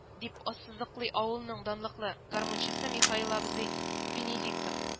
- дип ассызыклый авылның данлыклы гармунчысы михаил абзый венедиктов